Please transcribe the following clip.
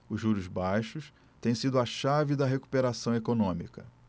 os juros baixos têm sido a chave da recuperação econômica